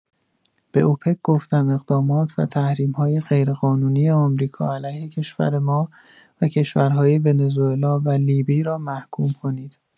به اوپک گفتم اقدامات و تحریم‌های غیرقانونی آمریکا علیه کشور ما و کشورهای ونزوئلا و لیبی را محکوم کنید.